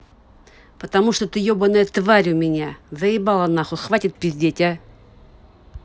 потому что ты ебаная тварь у меня заебала нахуй хватит пиздеть а